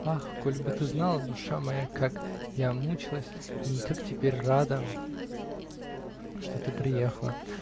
"Ах, коли бы ты знала, душа моя, как я мучилась и как теперь рада, что ты приехала.